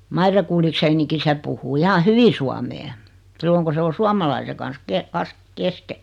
Maire Gullichsenkin se puhuu ihan hyvin suomea silloin kun se on suomalaisen kanssa -- kesken